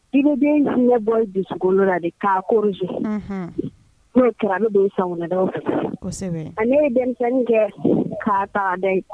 I be den dusukolo la de k'a korije n'o kɛra a bɛ don i sagona daw fɛ nka n'e ye denmisɛnnin kɛ k'a ta